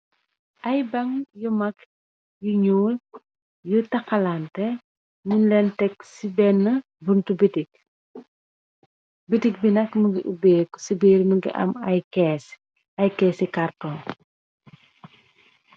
Ay bang yu mag yu ñuul yu tahalanteh nung leen teg ci bénn buntu bitik. Bitik bi nag mëngi ubbéeku ci biir mëngi am ay kays ci carton.